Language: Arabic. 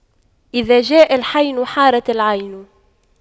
إذا جاء الحين حارت العين